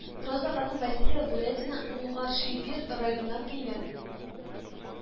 Роза ханым Васильева Бурятиянең Мухоршийбирь районыннан килгән